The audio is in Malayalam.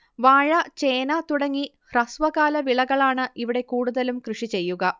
വാഴ ചേന തുടങ്ങി ഹ്രസ്വകാലവിളകളാണ് ഇവിടെ കൂടുതലും കൃഷിചെയ്യുക